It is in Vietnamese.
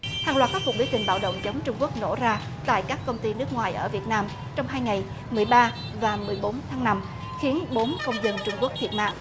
hàng loạt các cuộc biểu tình bạo động chống trung quốc nổ ra tại các công ty nước ngoài ở việt nam trong hai ngày mười ba và mười bốn tháng năm khiến bốn công dân trung quốc thiệt mạng